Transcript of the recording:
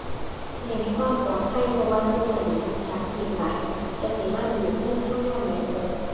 เน้นความปลอดภัย เพราะว่าซุมื้อนี้มิจฉาชีพหลาย จักสิมาดูดเงินเรายามใดเราได้